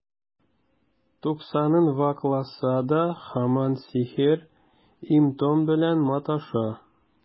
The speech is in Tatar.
Туксанын вакласа да, һаман сихер, им-том белән маташа.